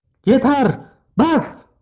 yetar bas